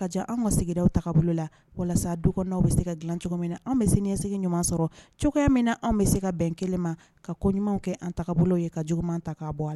Ka an ka la walasa du kɔnɔ' bɛ se ka g cogo min anw bɛ sinise ɲuman sɔrɔ cogo min na an bɛ se ka bɛn kelen ma ka ko ɲumanw kɛ an bolo ye ka juguman ta k ka bɔ ale la